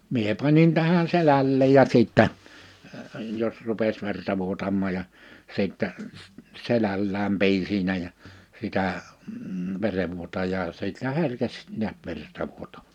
minä panin tähän selälleen ja sitten jos rupesi verta vuotamaan ja sitten selällään pidin siinä ja sitä verenvuotajaa siltä herkesi näet verta -